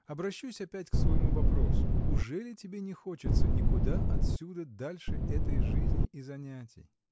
Обращусь опять к своему вопросу: ужели тебе не хочется никуда отсюда, дальше этой жизни и занятий?